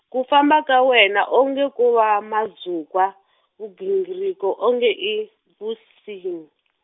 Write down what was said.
ku famba ka wena onge ko wa mazukwa, vugingiriko onge i, vunsin-.